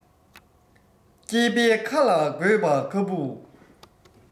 སྐྱེས པའི ཁ ལ དགོས པ ཁ སྤུ